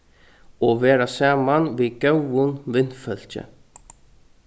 og vera saman við góðum vinfólki